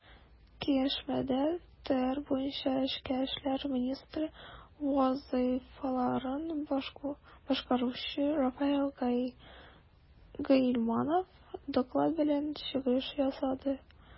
Киңәшмәдә ТР буенча эчке эшләр министры вазыйфаларын башкаручы Рафаэль Гыйльманов доклад белән чыгыш ясады.